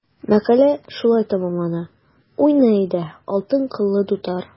Мәкалә шулай тәмамлана: “Уйна, әйдә, алтын кыллы дутар!"